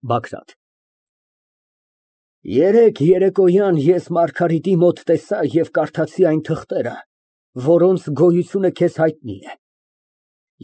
ԲԱԳՐԱՏ ֊ Երեկ երեկոյան ես Մարգարիտի մոտ տեսա և կարդացի այն թղթերը, որոնց գոյությունը քեզ հայտնի է։